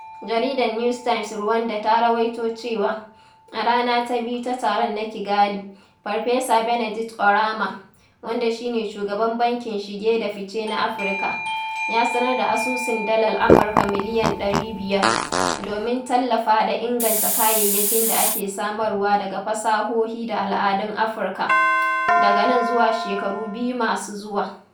Jaridar News Times Rwanda ta rawaito cewa, a rana ta biyu ta taron na Kigali, Farfesa Benedict Oramah, wanda shi ne Shugaban Bankin Shige da Fice na Afirka, ya sanar da asusun Dalar Amurka miliyon 500 ''domin tallafa da inganta kayayyakin da ake samarwa daga fasahohi da al'adun Afirka, daga nan zuwa shekaru biyu masu zuwa.